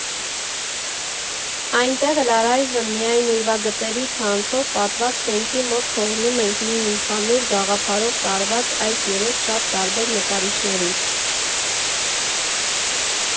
Այնտեղ էլ՝ առայժմ միայն ուրվագծերի ցանցով պատված շենքի մոտ թողնում ենք մի ընդհանուր գաղափարով տարված այս երեք շատ տարբեր նկարիչներին։